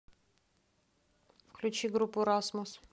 включи группу расмус